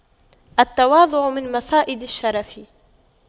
التواضع من مصائد الشرف